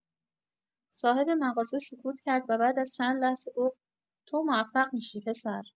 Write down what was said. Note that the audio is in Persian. صاحب مغازه سکوت کرد و بعد از چند لحظه گفت: «تو موفق می‌شی، پسر!»